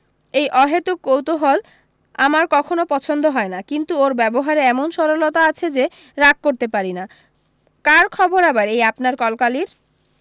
এই অহেতুক কুতূহল আমার কখনো পছন্দ হয় না কিন্তু ওর ব্যবহারে এমন সরলতা আছে যে রাগ করতে পারি না কার খবর আবার এই আপনার কলকালির